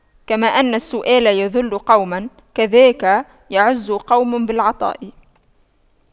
كما أن السؤال يُذِلُّ قوما كذاك يعز قوم بالعطاء